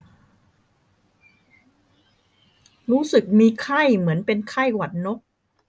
รู้สึกมีไข้เหมือนเป็นไข้หวัดนก